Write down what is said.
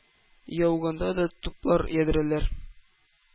Яуганда да туплар, ядрәләр,